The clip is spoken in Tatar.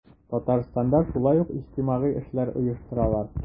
Татарстанда шулай ук иҗтимагый эшләр оештыралар.